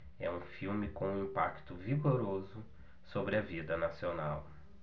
é um filme com um impacto vigoroso sobre a vida nacional